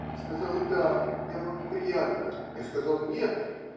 Она сказала: -- Да. Я вам неприятна. Я сказал: -- Нет.